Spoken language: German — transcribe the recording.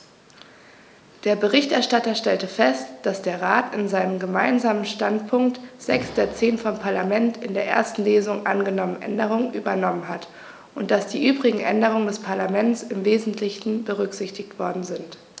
Der Berichterstatter stellte fest, dass der Rat in seinem Gemeinsamen Standpunkt sechs der zehn vom Parlament in der ersten Lesung angenommenen Änderungen übernommen hat und dass die übrigen Änderungen des Parlaments im wesentlichen berücksichtigt worden sind.